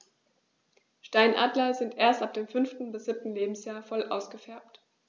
Steinadler sind erst ab dem 5. bis 7. Lebensjahr voll ausgefärbt.